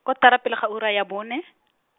kotara pele ga ura ya bone.